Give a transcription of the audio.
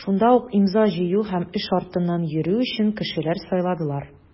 Шунда ук имза җыю һәм эш артыннан йөрү өчен кешеләр сайладылар.